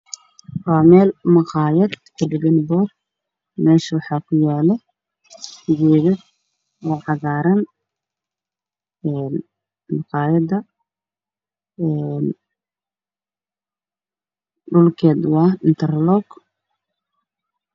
WAA MEEL MAQAAYAD KU DHAGAN BOOR MEESHA WAXAA KU YAALO GEEDO CAGAARAN EEN MAQAAYADA EEN MAGACEEDU WAA INTER LOG